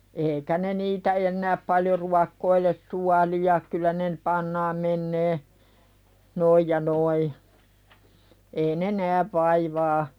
eikä ne niitä enää paljon ruokkoile suolia kyllä ne - pannaan menemään noin ja noin ei ne näe vaivaa